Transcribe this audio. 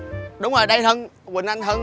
đúng rồi đang thân quỳnh anh hơn